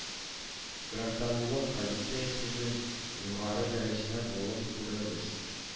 Гражданлык позициясенең югары дәрәҗәдә булуын күрәбез